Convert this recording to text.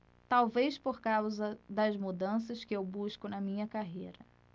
talvez por causa das mudanças que eu busco na minha carreira